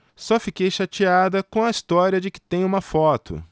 só fiquei chateada com a história de que tem uma foto